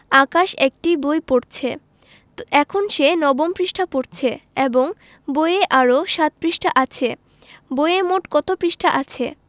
আকাশ একটি বই পড়ছে এখন সে নবম পৃষ্ঠা পড়ছে এবং বইয়ে আরও ৭ পৃষ্ঠা আছে বইয়ে মোট কত পৃষ্ঠা আছে